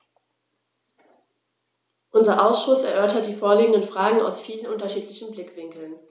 Unser Ausschuss erörtert die vorliegenden Fragen aus vielen unterschiedlichen Blickwinkeln.